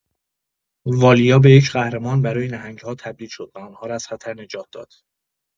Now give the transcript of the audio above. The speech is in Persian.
والیا به یک قهرمان برای نهنگ‌ها تبدیل شد و آنها را از خطر نجات داد.